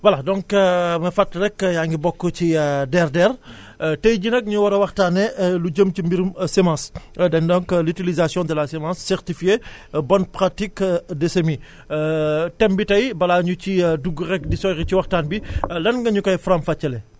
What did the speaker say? voilà donc ma fàttali rek yaa ngi bokk ci DRDR tey jii nag ñu war a waxtaanee lu jëm ci mbirum semence dañ donc l' utilisation de la semence certifiée bonne pratique de semis thème bi tey balaa ñu ciy dugg rek di sori ci waxtaan bi lan nga ñu koy faram-fàccelee